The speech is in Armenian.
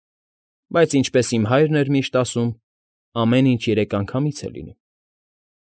Բայց, ինչպես իմ հայրն էր միշտ ասում. «Ամեն ինչ երեք անգամից է լինում»։